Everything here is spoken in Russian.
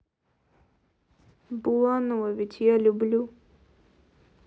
буланова ведь я люблю